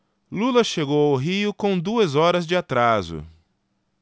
lula chegou ao rio com duas horas de atraso